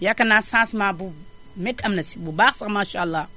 yaakaar naa changement bu métti am na si bu baax sax maasàllaa